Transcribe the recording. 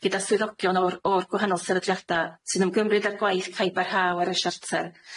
gyda swyddogion o'r o'r gwahanol sefydliada, sy'n ymgymryd â'r gwaith caib a rhaw ar y siarter